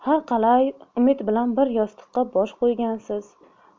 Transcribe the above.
har qalay umid bilan bir yostiqqa bosh qo'ygansiz